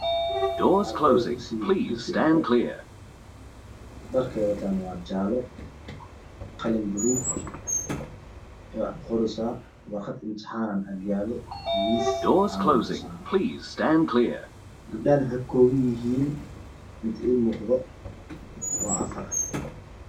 Halkan waa fasal wax joogo arday dharka kalark waa jale iyo cades waxey gacant kuhayan buug iyo qalin